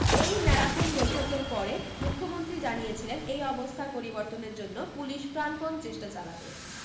এই ম্যারাথন বৈঠকের পরে মুখ্যমন্ত্রী জানিয়েছিলেন এই অবস্থার পরিবর্তনের জন্য পুলিশ প্রাণপণ চেষ্টা চালাবে